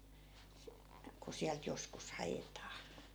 kun sieltä joskus haetaan